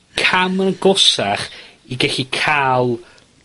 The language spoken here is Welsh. ...cam yn agosach i gellu ca'l